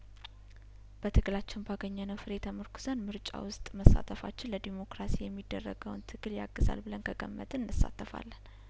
በትግላችን ባገኘ ነው ፍሬ ተመርኩዘን ምርጫ ውስጥ መሳተፋችን ለዲሞክራሲ የሚደረገውን ትግል ያግዛል ብለን ከገመትን እንሳተፋለን